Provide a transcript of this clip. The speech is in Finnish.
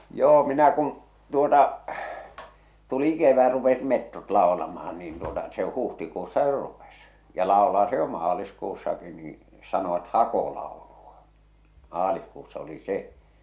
joo minä kun tuota tuli kevät rupesivat metsot laulamaan niin tuota se huhtikuussa jo rupesi ja laulaa se jo maaliskuussakin niin sanovat hakolaulu maaliskuussa oli se